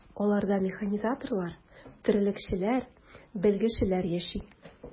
Аларда механизаторлар, терлекчеләр, белгечләр яши.